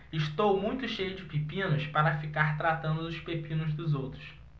estou muito cheio de pepinos para ficar tratando dos pepinos dos outros